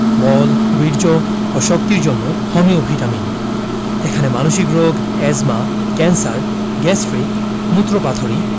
বল বীর্য ও শক্তির জন্য হোমিও ভিটামিন এখানে মানসিক রোগ এ্যজমা ক্যান্সার গ্যাস্ট্রিক মুত্রপাথড়ী